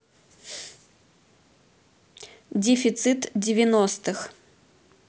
дефицит девяностых